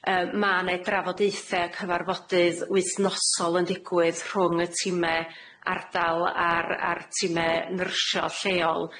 Yym ma' 'ne drafodaethe a cyfarfodydd wythnosol yn digwydd rhwng y time ardal a'r a'r time nyrsio lleol